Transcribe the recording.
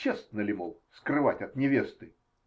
Честно ли, мол, скрывать от невесты?